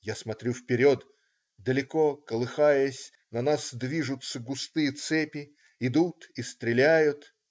Я смотрю вперед: далеко, колыхаясь, на нас движутся густые цепи, идут и стреляют.